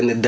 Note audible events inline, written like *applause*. *hesitation* *hesitation*